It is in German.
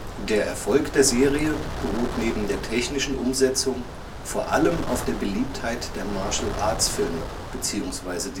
Der Erfolg der Serie beruht neben der technischen Umsetzung, vor allem auf der Beliebtheit der Martial-Arts-Filme bzw.